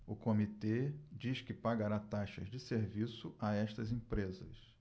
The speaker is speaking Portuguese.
o comitê diz que pagará taxas de serviço a estas empresas